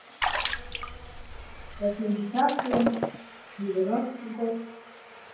восьмидесятые девяностый год